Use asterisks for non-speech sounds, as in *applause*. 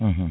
*hesitation* *hesitation*